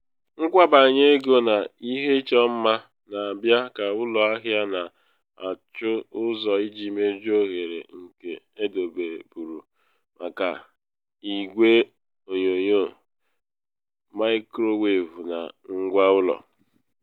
Nkwanye ego n’ihe ịchọ mma na abịa ka ụlọ ahịa na achụ ụzọ iji mejuo oghere nke edobeburu maka Igwe onyonyoo, mikrowevụ na ngwa ụlọ.